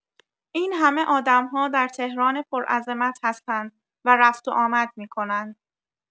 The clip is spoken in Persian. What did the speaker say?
این همه آدم‌ها در تهران پرعظمت هستند و رفت و آمد می‌کنند